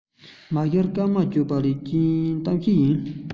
མ གཞི སྐར མ བཅུ ལ གཏམ བཤད ཡིན